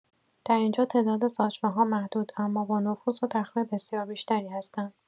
در اینجا تعداد ساچمه‌ها محدود اما با نفوذ و تخریب بسیار بیشتری هستند.